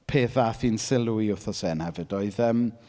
peth ddaeth i'n sylw i wythnos hyn hefyd oedd, yym...